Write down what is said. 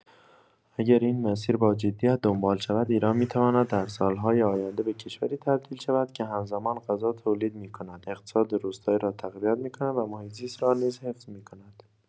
اگر این مسیر با جدیت دنبال شود، ایران می‌تواند در سال‌های آینده به کشوری تبدیل شود که همزمان غذا تولید می‌کند، اقتصاد روستایی را تقویت می‌کند و محیط‌زیست را نیز حفظ می‌کند.